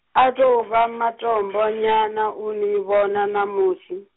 a tou vha matombo nyana uni vhona ṋamusi.